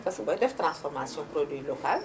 parce que booy def transformation produit local